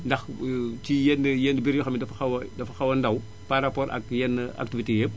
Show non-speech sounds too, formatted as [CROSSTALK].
ndax [HESITATION] ci yenn yenn mbir yoo xam ne dafa xaw a dafa wax a ndaw par rapport ak yenn activité yépp